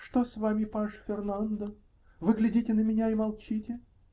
***-- Что с вами, паж Фернандо: вы глядите на меня и молчите?